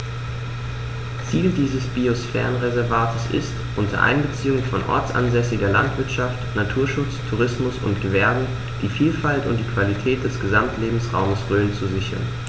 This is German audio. Ziel dieses Biosphärenreservates ist, unter Einbeziehung von ortsansässiger Landwirtschaft, Naturschutz, Tourismus und Gewerbe die Vielfalt und die Qualität des Gesamtlebensraumes Rhön zu sichern.